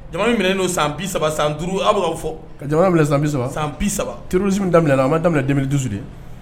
Jamana minɛ n'u san bi saba san duuruuru a ba fɔ ka jamana minɛ san bi saba san bi saba tuurusi daminɛ na a ma daminɛ daminɛ dususu de